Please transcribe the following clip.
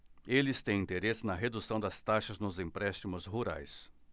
eles têm interesse na redução das taxas nos empréstimos rurais